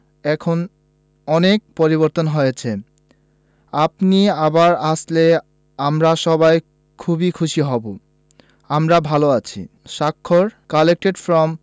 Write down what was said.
এখন অনেক পরিবর্তন হয়েছে আপনি আবার আসলে আমরা সবাই খুব খুশি হব আমরা ভালো আছি স্বাক্ষর কালেক্টেড ফ্রম